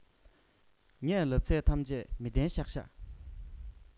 ངས ལབ ཚད ཐམས ཅད མི བདེན པ ཤག ཤག